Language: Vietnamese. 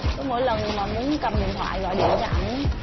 cứ mỗi lần mà muốn cầm điện thoại gọi điện cho ảnh